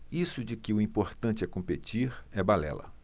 isso de que o importante é competir é balela